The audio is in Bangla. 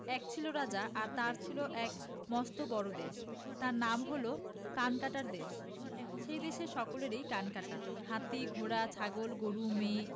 এক ছিল রাজা আর তার ছিল এক মস্ত বড়ো দেশ তার নাম হল কানকাটার দেশ সেই দেশের সকলেরই কান কাটা হাতি ঘোড়া ছাগল গরু মেয়ে